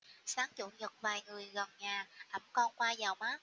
sáng chủ nhật vài người gần nhà ẵm con qua dạo mát